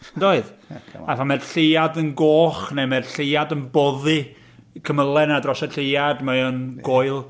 Yn doedd? A phan mae'r Lleuad yn goch, neu mae'r Lleuad yn boddi... y cymylau 'na dros y Lleuad, mae'n goel...